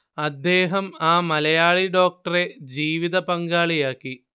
അദ്ദേഹം ആ മലയാളി ഡോക്ടറെ ജീവിതപങ്കാളിയാക്കി